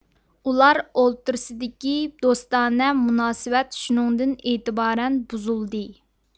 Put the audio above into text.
ئۇلار ئوتتۇرىسىدىكى دوستانە مۇناسىۋەت شۇنىڭدىن ئېتىبارەن بۇزۇلدى